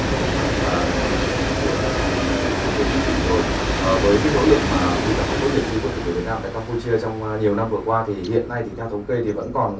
vâng và là cuộc chiến tranh đã lùi xa nhiều thập kỷ rồi ở với nỗ lực mà quy tập hài cốt liệt sỹ quân tình nguyện việt nam tại cam pu chia trong nhiều năm vừa qua thì hiện nay thì theo thống kê thì vẫn còn